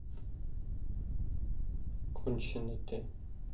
конченный ты